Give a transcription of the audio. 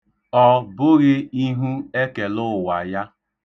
Ọ bụghị ihu ekelụụwa ya.